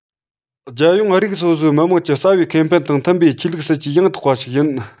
རྒྱལ ཡོངས རིགས སོ སོའི མི དམངས ཀྱི རྩ བའི ཁེ ཕན དང མཐུན པའི ཆོས ལུགས སྲིད ཇུས ཡང དག པ ཞིག ཡིན